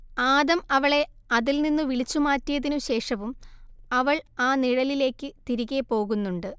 ആദം അവളെ അതിൽ നിന്നു വിളിച്ചു മാറ്റിയതിനു ശേഷവും അവൾ ആ നിഴലിലേയ്ക്ക് തിരികേ പോകുന്നുണ്ട്